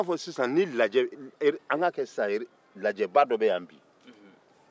an k'a kɛ sisan lajɛba dɔ bɛ yan bi